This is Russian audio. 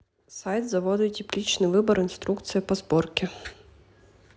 сайт завода тепличный выбор инструкция по сборке